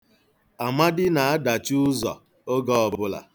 Amadi na-adachi ụzọ oge ọbụla.